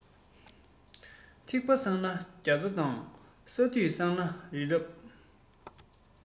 ཐིགས པ བསགས ན རྒྱ མཚོ དང ས རྡུལ བསགས ན རི རབ